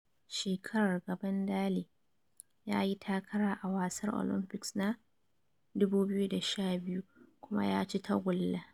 Shekarar gaban Daley ya yi takara a wasar Olympics na 2012 kuma ya ci tagulla.